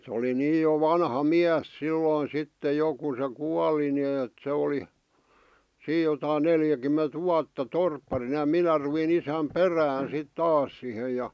se oli niin jo vanha mies silloin sitten jo kun se kuoli niin että se oli siinä jotakin neljäkymmentä vuotta torpparina ja minä rupesin isän perään sitten taas siihen ja